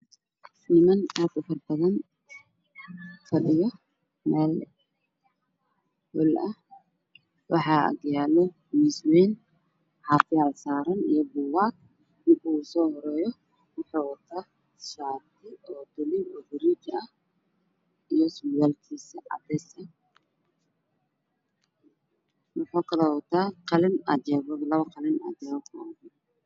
Waxaa ii muuqdaa niman agfadhiyo miis miiska waxaa saaran biyo whatsapp moobeello iyo moogaa nimanka qaar ayaa wata ookiyaallo